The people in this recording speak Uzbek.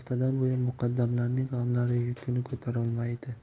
muqaddamlarning g'amlari yukini ko'tarolmaydi